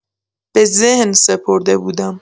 به ذهن سپرده بودم.